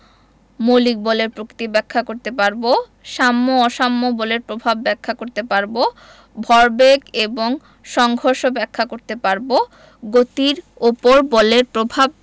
মৌলিক বলের প্রকৃতি ব্যাখ্যা করতে পারব সাম্য ও অসাম্য বলের প্রভাব ব্যাখ্যা করতে পারব ভরবেগ এবং সংঘর্ষ ব্যাখ্যা করতে পারব গতির উপর বলের প্রভাব